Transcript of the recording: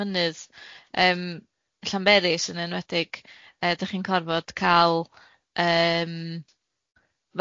mynydd yym Llanberis yn enwedig yy 'da chi'n gorfod cal yym